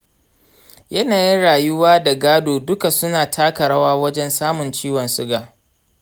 yanayin rayuwa da gado duka suna taka rawa wajen samun ciwon suga.